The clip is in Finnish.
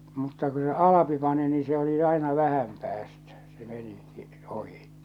mutta kun se Alpi pani niin se oli aina vähän päästä se meni sen ohi